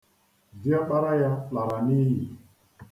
Diokpara ya lara n'iyi.